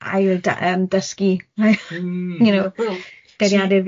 Ail dy- yym dysgu, , you know, geiriadur fi.